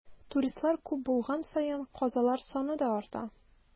Туристлар күп булган саен, казалар саны да арта.